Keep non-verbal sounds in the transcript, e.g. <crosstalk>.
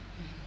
<hesitation> <hesitation>